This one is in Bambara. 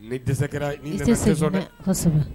N dɛsɛse kɛra dɛ